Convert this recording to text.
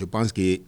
Il pense que